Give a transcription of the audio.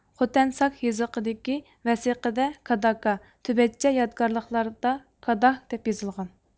خوتەن ساك يېزىقىدىكى ۋەسىقىدە كاداكا تۈبۈتچە يادىكارلىقلاردا كاداگ دەپ يېزىلغان